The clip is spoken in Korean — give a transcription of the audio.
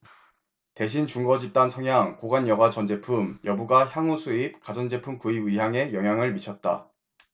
대신 준거집단 성향 고관여가전제품 여부가 향후수입 가전제품 구입 의향에 영향을 미쳤다